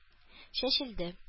Чәчелде